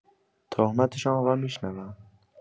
تهمتشان را می‌شنوم.